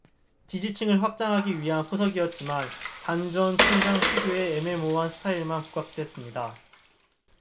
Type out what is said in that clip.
지지층을 확장하기 위한 포석이었지만 반 전 총장 특유의 애매모호한 스타일만 부각됐습니다